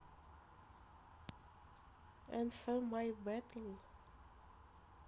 nf my battle